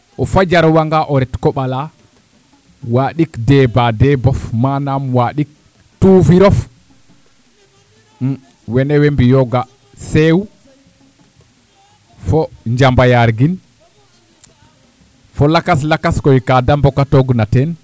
o fajarwanga o ret koɓ alaa waaɗik debaa deebof manaam waaɗik tufirof wene way mbiyooga seew fo njamayaargin fo lakas lakas koy kaa de mbokatoogna teen